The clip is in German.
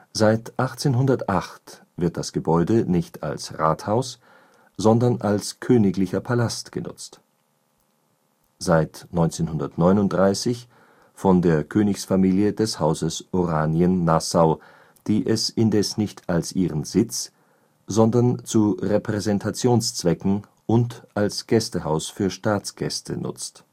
Seit 1808 wird das Gebäude nicht als Rathaus, sondern als Königlicher Palast genutzt, seit 1939 von der Königsfamilie des Hauses Oranien-Nassau, die es indes nicht als ihren Sitz, sondern zu Repräsentationszwecken und als Gästehaus für Staatsgäste nutzt